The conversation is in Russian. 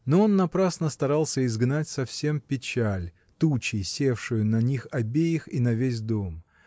Но он напрасно старался изгнать совсем печаль, тучей севшую на них обеих и на весь дом.